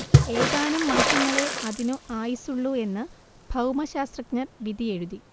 ഏതാനും മാസങ്ങളേ അതിന് ആയുസുള്ളൂ എന്ന് ഭൗമശാസ്ത്രജ്ഞർ വിധിയെഴുതി